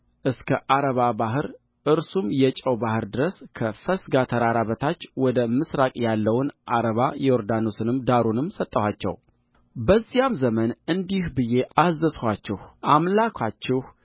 እስከ ዓረባ ባሕር እርሱም የጨው ባሕር ድረስ ከፈስጋ ተራራ በታች ወደ ምሥራቅ ያለውን ዓረባ ዮርዳኖስንም ዳሩንም ሰጠኋቸውበዚያም ዘመን እንዲህ ብዬ አዘዝኋችሁ አምላካችሁ